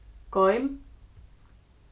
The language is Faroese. goym